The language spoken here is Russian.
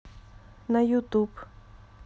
на ютуб